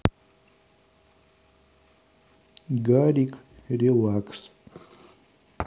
гарик релакс